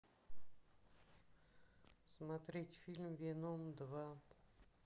смотреть фильм веном два